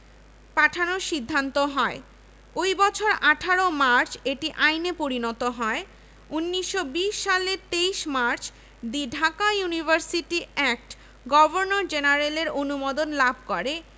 পাঠানোর সিদ্ধান্ত হয় ওই বছর ১৮ মার্চ এটি আইনে পরিণত হয় ১৯২০ সালের ২৩ March the Dhaka university act governor জেনারেলের অনুমোদন লাভ করে